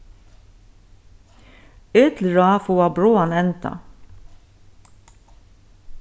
ill ráð fáa bráðan enda